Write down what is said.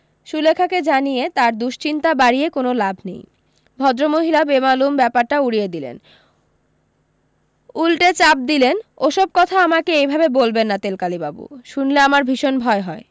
সুলেখাকে জানিয়ে তার দুশ্চিন্তা বাড়িয়ে কোনো লাভ নেই ভদ্রমহিলা বেমালুম ব্যাপারটা উড়িয়ে দিলেন উলটে চাপ দিলেন ওসব কথা আমাকে এইভাবে বলবেন না তেলকালিবাবু শুনলে আমার ভীষণ ভয় হয়